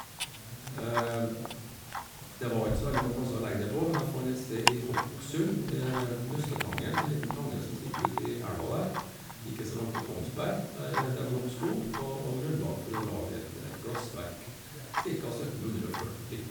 søttenhundre og førti.